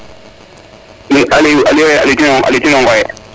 mi Aliou Aliou geno Ngoye